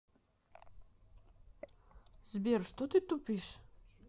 сбер что ты тупишь